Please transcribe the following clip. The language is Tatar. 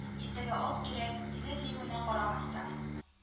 Иртәгә ат кирәк, диде, диюенә карамастан: